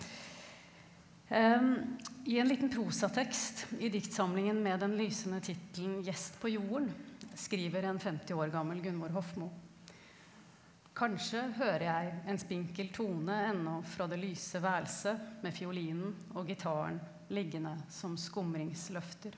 i en liten prosatekst i diktsamlingen med den lysende tittelen Gjest på jorden skriver en 50 år gammel Gunvor Hofmo kanskje hører jeg en spinkel tone ennå fra det lyse værelse med fiolinen og gitaren liggende som skumringsløfter.